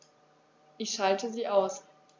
Ich schalte sie aus.